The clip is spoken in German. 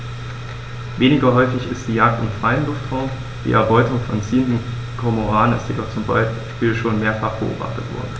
Weniger häufig ist die Jagd im freien Luftraum; die Erbeutung von ziehenden Kormoranen ist jedoch zum Beispiel schon mehrfach beobachtet worden.